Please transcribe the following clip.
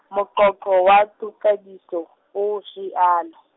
moqoqo wa tokodiso, o, realo.